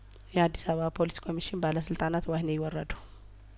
የአዲስ አበባ ፖሊስ ኮሚሽን ባለስልጣናት ወህኒ ወረዱ